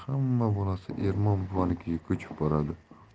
hamma bolasi ermon buvanikiga ko'chib boradi